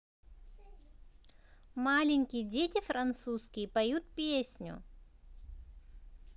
маленькие дети французские поют песню